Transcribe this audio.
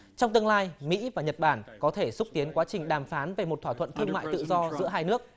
trong tương lai mỹ và nhật bản có thể xúc tiến quá trình đàm phán về một thỏa thuận thương mại tự do giữa hai nước